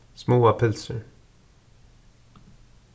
smáar pylsur